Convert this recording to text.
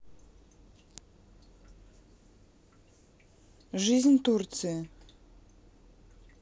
жизнь в турции